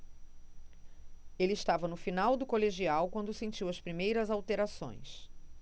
ele estava no final do colegial quando sentiu as primeiras alterações